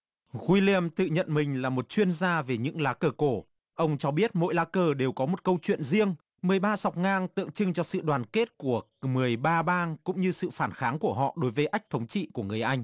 guy li am tự nhận mình là một chuyên gia về những lá cờ cổ ông cho biết mỗi lá cờ đều có một câu chuyện riêng mười ba sọc ngang tượng trưng cho sự đoàn kết của mười ba bang cũng như sự phản kháng của họ đối với ách thống trị của người anh